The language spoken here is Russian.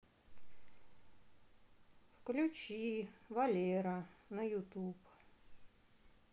включи валера на ютуб